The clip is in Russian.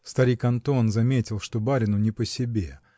Старик Антон заметил, что барину не по себе